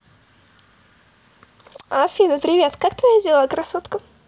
афина привет как твои дела красотка